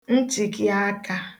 nchị̀kị̀akā